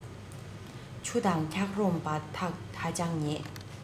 ཆུ དང འཁྱག རོམ བར ཐག ཧ ཅང ཉེ